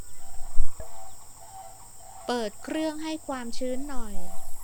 เปิดเครื่องให้ความชื้นหน่อย